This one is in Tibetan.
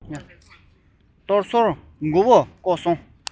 གཏོར ཟོར མགོ བོ བཀོག སོང